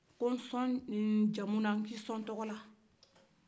ko n sɔn n jamu n k'i sɔn tɔgɔ la